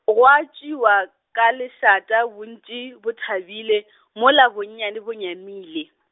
gwa tšwewa, ka lešata bontši bo thabile , mola bonyane bo nyamile.